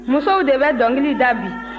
musow de bɛ dɔnkili da bi